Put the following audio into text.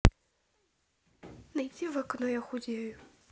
найди в окко фильм я худею